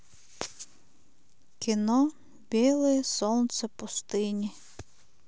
кино белое солнце пустыни